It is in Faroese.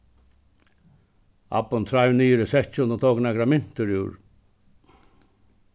abbin treiv niður í sekkin og tók nakrar myntir úr